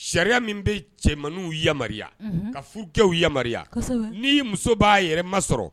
Sariya min bɛ cɛmanw yama ka futake yama ni muso b'a yɛrɛ ma sɔrɔ